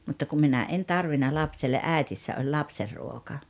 mutta kun minä en tarvinnut lapselle äidissä oli lapsenruoka